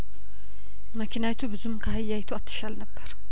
መኪናዪቱ ብዙም ካህያዪቱ አትሻል ነበር